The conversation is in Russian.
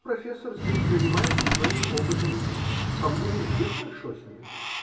-- Профессор здесь занимается своими опытами, а мне везде хорошо с ним.